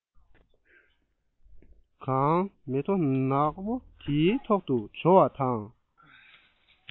གང མེ ཐོ ནར མོ དེའི ཐོག ཏུ བྱོ བ དང